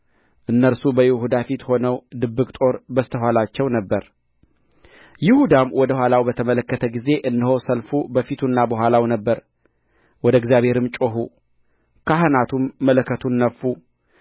እነርሱ በይሁዳ ፊት ሆነው ድብቅ ጦሩ በስተ ኋላቸው ነበረ ይሁዳም ወደ ኋላው በተመለከተ ጊዜ እነሆ ሰልፉ በፊቱና በኋላው ነበረ ወደ እግዚአብሔርም ጮኹ ካህናቱም መለከቱን ነፉ